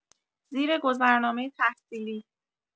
زیر گذرنامه تحصیلی